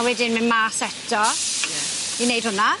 A wedyn mynd mas eto. Ie. i neud hwnna.